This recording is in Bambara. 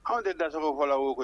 Anw tɛ da sababu fɔ la o koyi